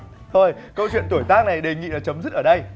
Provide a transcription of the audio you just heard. thôi câu chuyện tuổi tác này đề nghị chấm dứt ở đây